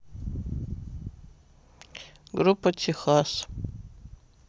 группа техас